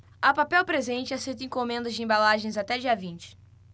a papel presente aceita encomendas de embalagens até dia vinte